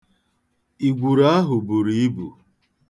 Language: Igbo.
Igwuru ahụ buru ibu.